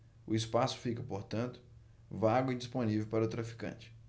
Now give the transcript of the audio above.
o espaço fica portanto vago e disponível para o traficante